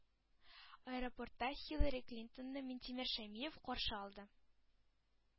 Аэропортта Хиллари Клинтонны Минтимер Шәймиев каршы алды.